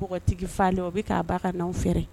Npokotigi falen, o bɛ k'a ba ka naw fere.